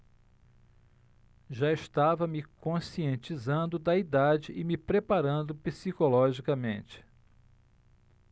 já estava me conscientizando da idade e me preparando psicologicamente